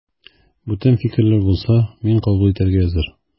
Бүтән фикерләр булса, мин кабул итәргә әзер.